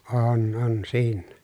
on on siinä